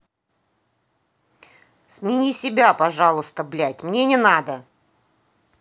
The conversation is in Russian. смени себя пожалуйста блядь мне не надо